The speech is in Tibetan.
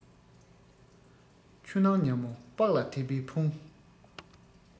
ཆུ ནང ཉ མོ སྤགས ལ དད པས ཕུང